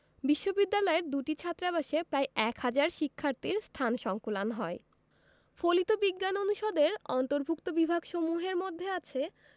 বিশ্ববিদ্যালয়ের দুটি ছাত্রাবাসে প্রায় এক হাজার শিক্ষার্থীর স্থান সংকুলান হয় ফলিত বিজ্ঞান অনুষদের অন্তর্ভুক্ত বিভাগসমূহের মধ্যে আছে